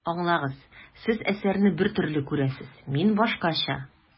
Аңлагыз, Сез әсәрне бер төрле күрәсез, мин башкача.